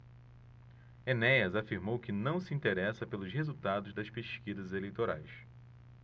enéas afirmou que não se interessa pelos resultados das pesquisas eleitorais